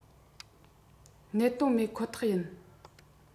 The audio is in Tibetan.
གནད དོན མེད ཁོ ཐག ཡིན